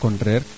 xa baas lan